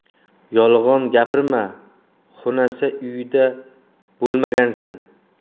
yolg'on gapirma xunasa uyida bo'lmagansan